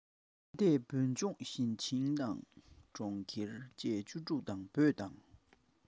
ཉི མ འཆར བ དང མེ ཏོག བཞད